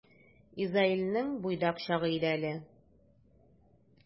Изаилнең буйдак чагы иде әле.